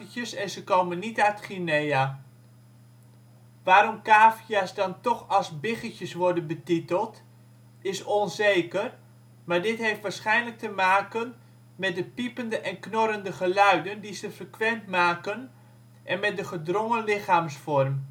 komen niet uit Guinea. Waarom cavia 's dan toch als ' biggetjes ' werden betiteld is onzeker maar dit heeft waarschijnlijk te maken met de piepende en knorrende geluiden die ze frequent maken en met de gedrongen lichaamsvorm